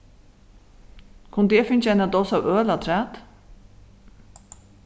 kundi eg fingið eina dós av øl afturat